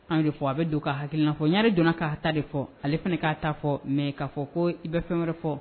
An yɛrɛ fɔ a bɛ don ka hakilfɔ n'ri donnana k kaa ta de fɔ ale fana k'a taa fɔ mɛ'a fɔ ko i bɛ fɛn wɛrɛ fɔ